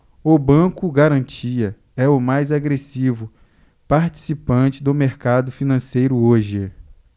o banco garantia é o mais agressivo participante do mercado financeiro hoje